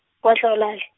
kwaDlawulale.